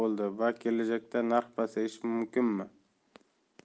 bo'ldi va kelajakda narx pasayishi mumkinmi